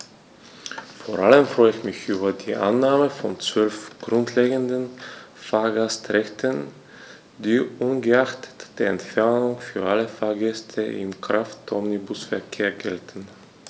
Vor allem freue ich mich über die Annahme von 12 grundlegenden Fahrgastrechten, die ungeachtet der Entfernung für alle Fahrgäste im Kraftomnibusverkehr gelten.